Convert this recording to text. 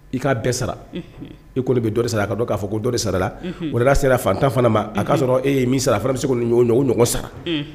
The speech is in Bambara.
I ka bɛɛ sara i kɔni bɛ dɔ sara a dɔn k'a fɔ ko dɔ sara oda sera fantan fana ma a'a sɔrɔ e ye min sara a fana bɛ se ɲɔgɔn ɲɔgɔn o ɲɔgɔn sara